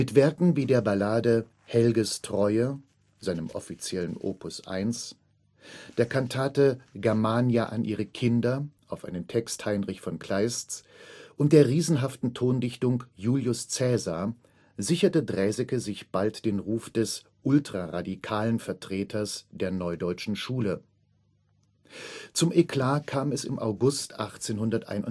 Werken wie der Ballade Helges Treue (seinem offiziellen op.1), der Kantate Germania an ihre Kinder auf einen Text Heinrich von Kleists und der riesenhaften Tondichtung Julius Caesar sicherte Draeseke sich bald den Ruf des „ ultraradikalen “Vertreters der Neudeutschen Schule. Zum Eklat kam es im August 1861